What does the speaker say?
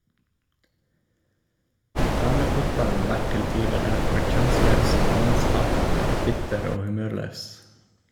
Damefotballen vert til tider derfor kjønnslaus, mannshatande, bitter og humørlaus.